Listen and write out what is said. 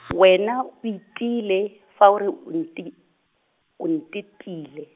wena o itiile, fa o re o nti-, o ntetile.